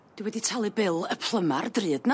Dwi wedi talu bil y plymar drud na.